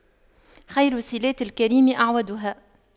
خير صِلاتِ الكريم أَعْوَدُها